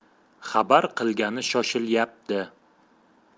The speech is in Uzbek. xabar qilgani shoshilyapti